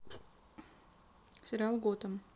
сериал готэм